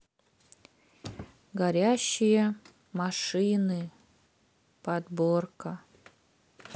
горящие машины подборка